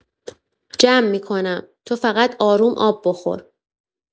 جمع می‌کنم، تو فقط آروم آب بخور.